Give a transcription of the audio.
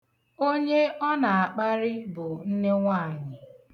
Onye ọ na-akparị bụ nnenwaànyị̀.